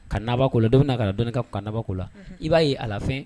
Kabakolo la dɔ bɛ na ka na dɔn ka kanbɔko la i b'a yei ala fɛ